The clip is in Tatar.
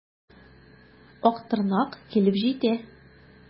Актырнак килеп җитә.